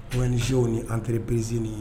ONG ni entreprises ni